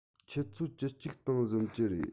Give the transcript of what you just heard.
ཆུ ཚོད བཅུ གཅིག སྟེང གཟིམ གྱི རེད